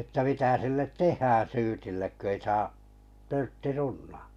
että mitä sille tehdään syytille kun ei saa törtti runnata